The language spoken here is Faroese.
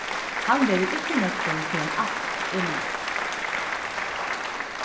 hann verður ikki nøgdur fyrr enn alt er liðugt